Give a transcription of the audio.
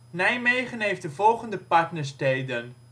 Nijmegen heeft de volgende Partnersteden